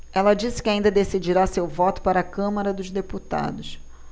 ela disse que ainda decidirá seu voto para a câmara dos deputados